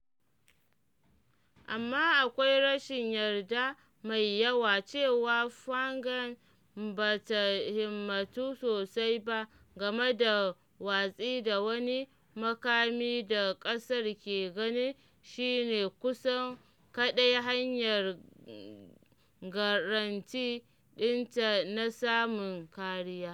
Amma akwai rashin yarda mai yawa cewa Pyongyang ba ta himmatu sosai ba game da watsi da wani makami da ƙasar ke ganin shi ne kusan kaɗai hanyar garanti ɗinta na samun kariya.